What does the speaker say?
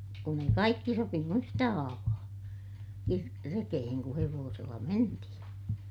kun ei kaikki sopinut yhtä haavaa - rekeen kun hevosella mentiin